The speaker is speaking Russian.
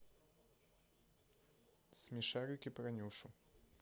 смешарики про нюшу